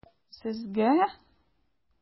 Сезгә?